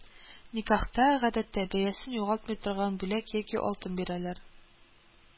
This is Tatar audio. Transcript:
Никахта, гадәттә, бәясен югалтмый торган бүләк яки алтын бирәләр